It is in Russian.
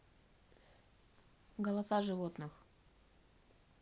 голоса животных